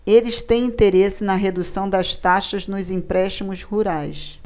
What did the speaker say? eles têm interesse na redução das taxas nos empréstimos rurais